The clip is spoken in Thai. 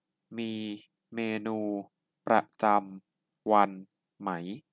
มีเมนูประจำวันไหม